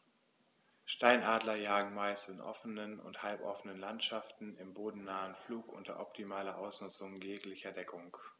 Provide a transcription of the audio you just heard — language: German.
Steinadler jagen meist in offenen oder halboffenen Landschaften im bodennahen Flug unter optimaler Ausnutzung jeglicher Deckung.